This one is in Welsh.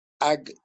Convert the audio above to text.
ag